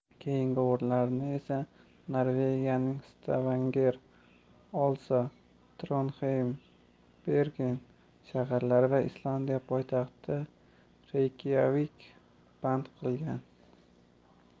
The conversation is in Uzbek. keyingi o'rinlarni esa norvegiyaning stavanger oslo tronxeym bergen shaharlari va islandiya poytaxti reykyavik band qilingan